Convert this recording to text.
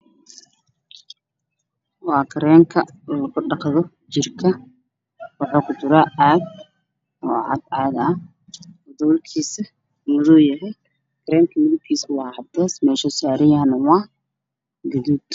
Waa kareenka lagu dhaqdo jirka waxuu ku jiraa caag oo cad caag ah daboolkiisa madow yahay kareemka midabkiisa waa cadays meeshuu saaran yahane waa gaduud.